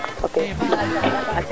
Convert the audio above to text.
mbisan teen